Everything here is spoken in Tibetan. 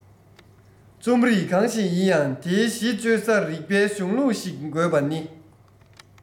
རྩོམ རིག གང ཞིག ཡིན ཡང དེའི གཞི བཅོལ ས རིག པའི གཞུང ལུགས ཤིག དགོས པ ནི